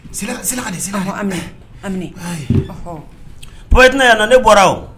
Sira ka de se ka fɔ an mɛ ami pina yan na ne bɔra o